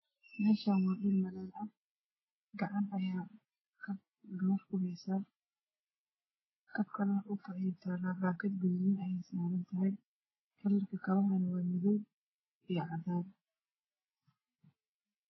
Meeshaan waa meel banaan ah gacan ayaa kab kuheysa kab kalana dhulka ayay taalaa baakad gaduudan ayay saaran tahay. Kalarka kabahana waa madow iyo cadaan